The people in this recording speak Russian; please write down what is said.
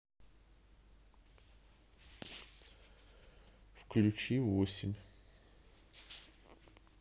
включи восемь